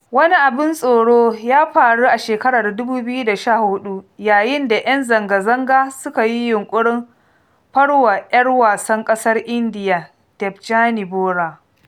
Wani abin tsoro ya faru a shekarar 2014 yayin da ''yan zanga-zanga suka yi yunƙurin far wa 'yar wasan ƙasar Indiya, Debjani Bora.